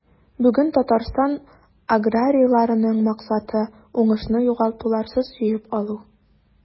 Бүген Татарстан аграрийларының максаты – уңышны югалтуларсыз җыеп алу.